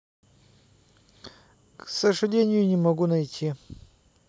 к сожалению не могу найти